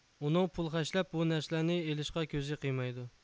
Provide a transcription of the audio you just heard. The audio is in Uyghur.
ئۇنىڭ پۇل خەجلەپ بۇ نەرسىلەرنى ئېلىشقا كۆزى قىيمايدۇ